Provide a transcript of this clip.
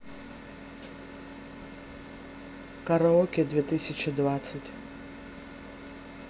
караоке две тысячи двадцать